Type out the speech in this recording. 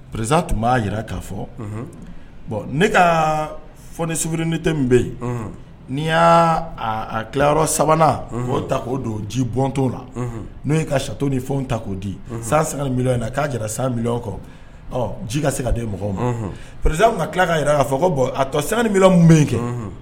Perez tun b'a jira k'a fɔ ne ka fɔonisuururi tɛ min bɛ yen n'i y'a tilayɔrɔ sabanan ta k'o don ji bɔnɔntɔ la n'o ye ka sat ni fɛnw ta k'o di san san k'a jira san mi kɔ ji ka se ka den mɔgɔw perez ka tila ka jira k'a fɔ ko bɔn a tɔ sanni minɛ bɛ kɛ